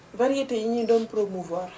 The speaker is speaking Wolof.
variétés yi ñii doon promouvoir